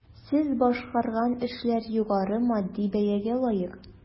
Сез башкарган эшләр югары матди бәягә лаек.